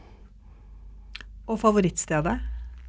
og favorittstedet?